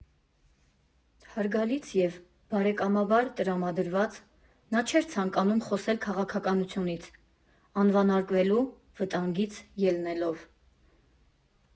Հարգալից և բարեկամաբար տրամադրված՝ նա չէր ցանկանում խոսել քաղաքականությունից՝ անվանարկվելու վտանգից ելնելով։